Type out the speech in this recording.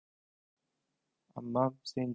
ammam sen jim tur